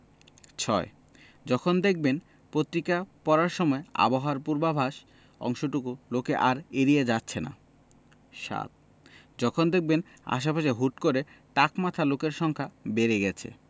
৬. যখন দেখবেন পত্রিকা পড়ার সময় আবহাওয়ার পূর্বাভাস অংশটুকু লোকে আর এড়িয়ে যাচ্ছে না ৭. যখন দেখবেন আশপাশে হুট করে টাক মাথার লোকের সংখ্যা বেড়ে গেছে